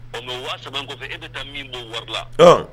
Ɔ mɛ wasa kɔfɛ e bɛ taa min bɔ wari la h